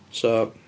So...